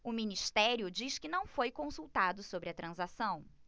o ministério diz que não foi consultado sobre a transação